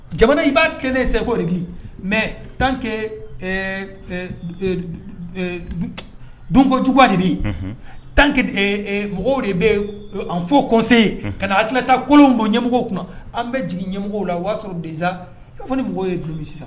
Jamana i b'a tilelen seko de mɛ tankɛ donkojugu de bɛ yen tan mɔgɔw de bɛ yen an fɔ kɔse yen ka na a tilalata kolon bɔ ɲɛmɔgɔ kun an bɛ jigin ɲɛmɔgɔ la o y'a sɔrɔ denz e fɔ ni mɔgɔw ye dun sisan